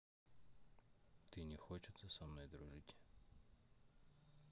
ты не хочется мной дружить